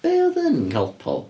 Beth oedd yn Calpol?